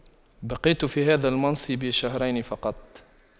بقيت في هذا المنصب شهرين فقط